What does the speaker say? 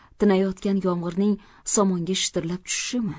tinayotgan yomg'irning somonga shitirlab tushishimi